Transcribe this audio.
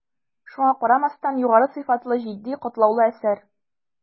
Шуңа карамастан, югары сыйфатлы, житди, катлаулы әсәр.